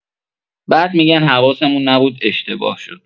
بعد می‌گن حواسمون نبود اشتباه شد